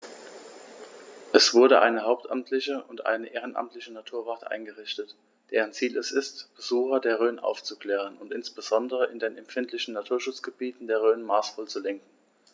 Es wurde eine hauptamtliche und ehrenamtliche Naturwacht eingerichtet, deren Ziel es ist, Besucher der Rhön aufzuklären und insbesondere in den empfindlichen Naturschutzgebieten der Rhön maßvoll zu lenken.